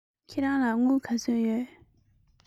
ང ལ སྒོར བདུན ཡོད